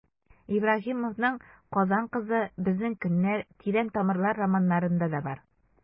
Ибраһимовның «Казакъ кызы», «Безнең көннәр», «Тирән тамырлар» романнарында да бар.